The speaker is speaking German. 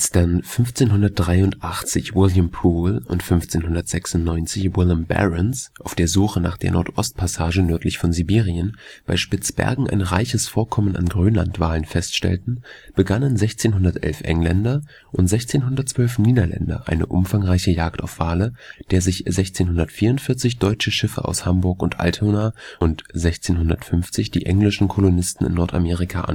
1583 William Poole und 1596 Willem Barents – auf der Suche nach der Nordost-Passage nördlich von Sibirien – bei Spitzbergen ein reiches Vorkommen an Grönlandwalen feststellten, begannen 1611 Engländer und 1612 Niederländer eine umfangreiche Jagd auf Wale, der sich 1644 deutsche Schiffe aus Hamburg und Altona und 1650 die englischen Kolonisten in Nordamerika